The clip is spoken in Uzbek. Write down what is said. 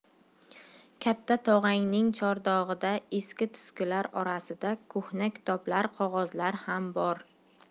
katta tog'angning chordog'ida eski tuskilar orasida ko'hna kitoblar qog'ozlar ham bor